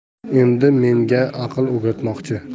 endi menga aql o'rgatmoqchi